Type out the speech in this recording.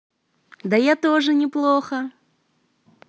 да я тоже неплохо